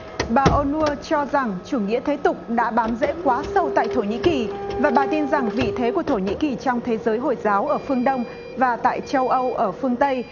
bà ô nua cho rằng chủ nghĩa thế tục đã bám rễ quá sâu tại thổ nhĩ kỳ và bà tin rằng vị thế của thổ nhĩ kỳ trong thế giới hồi giáo ở phương đông và tại châu âu ở phương tây